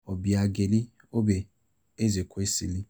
Obiageli [Oby] Ezekwesili